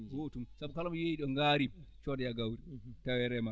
gootum sabu kala mo yeeyi ɗo ngaari codoyaa gawri tawi a remaani